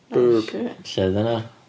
O oce. Lle oedd hynna?